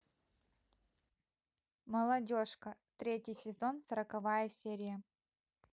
молодежка третий сезон сороковая серия